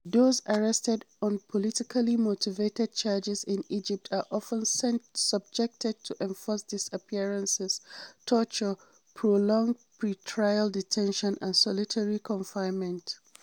Those arrested on politically-motivated charges in Egypt are often subjected to enforced disappearances, torture, prolonged pre-trial detention and solitary confinement.